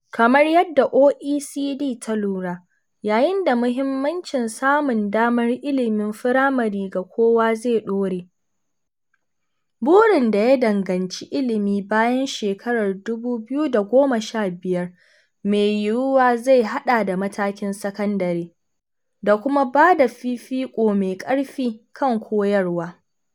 Kamar yadda OECD ta lura, yayin da mahimmancin samun damar ilimin firamare ga kowa zai ɗore, burin da ya danganci ilimi bayan shekarar 2015 mai yiwuwa zai haɗa da matakin sakandare, da kuma bada fifiko mai ƙarfi kan koyarwa.